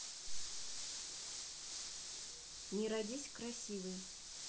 не родись красивой